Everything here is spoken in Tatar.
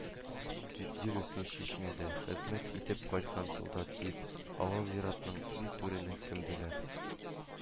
Дилүсне, Чечняда хезмәт итеп кайткан солдат дип, авыл зиратының иң түренә күмделәр